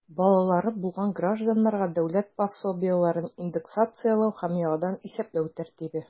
Балалары булган гражданнарга дәүләт пособиеләрен индексацияләү һәм яңадан исәпләү тәртибе.